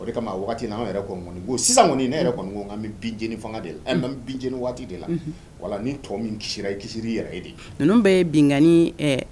O kama waati ko sisan kɔni ne yɛrɛ j de la bɛ bin jeni waati de la wala ni tɔ min ci i kisisiri i yɛrɛ e de ye ninnu bɛ ye bin